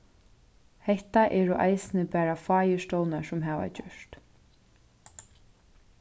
hetta eru eisini bara fáir stovnar sum hava gjørt